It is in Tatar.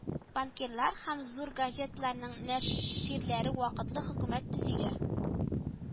Банкирлар һәм зур газеталарның нәширләре вакытлы хөкүмәт төзиләр